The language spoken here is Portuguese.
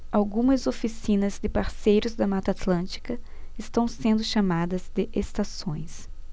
algumas oficinas de parceiros da mata atlântica estão sendo chamadas de estações